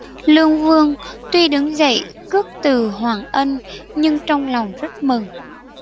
lương vương tuy đứng dậy khước từ hoàng ân nhưng trong lòng rất mừng